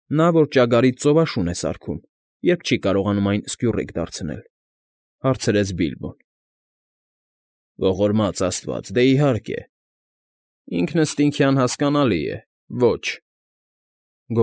Նա, որ ճագարից ծովաշուն է սարքում, երբ չի կարողանում այն սկյուռիկ դարձնել,֊ հարցրեց Բիլբոն։ ֊ Ողորմած աստված, դե, իհարկե, բնական է, ինքնըստինքյան հասկանալի է՝ ոչ,֊